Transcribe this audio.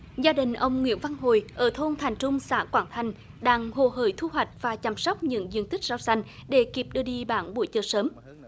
gia đình ông nguyễn văn hồi ở thôn thành trung xã quảng thành đang hồ hởi thu hoạch và chăm sóc những diện tích rau xanh để kịp đưa đi bán buổi chiều sớm